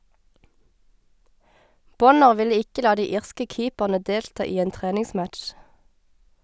Bonner ville ikke la de irske keeperne delta i en treningsmatch.